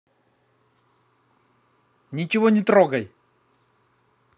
ничего не трогай